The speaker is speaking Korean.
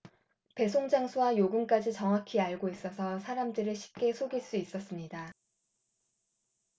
배송장소와 요금까지 정확히 알고 있어서 사람들을 쉽게 속일 수 있었습니다